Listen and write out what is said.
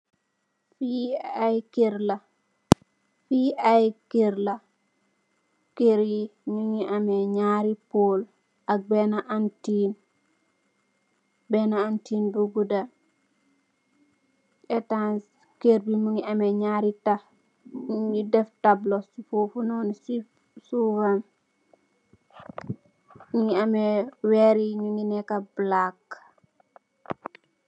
Fii ay kerr la. Fii ay kerr la. Kerr yi nyu ngi ameh nyaari pole, ak bena antiin. Bena antiin bu guda. Etanjs, kerr bi mungi ameh nyaari tah. Nyungi def tabloh. Foofu nonu si suufam. Nyungi ameh weeri nyungi neka black.